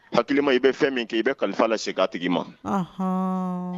Hakilima i bɛ fɛn min kɛ i bɛ kalifa lasegin a tigi ma.